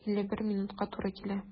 51 минутка туры килә.